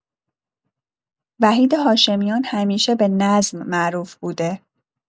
وحید هاشمیان همیشه به نظم معروف بوده.